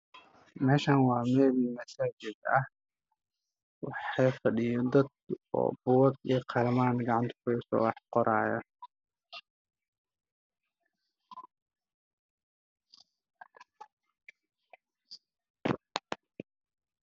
Maa masaajid wax fadhiya dad badan waxay aqrisanayan kitaabo